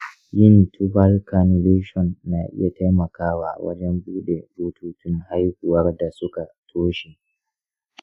yin tubal cannulation na iya taimakawa wajen buɗe bututun haihuwar da suka toshe.